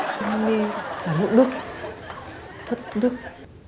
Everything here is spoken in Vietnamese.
dơ men ni là nước đức thất đức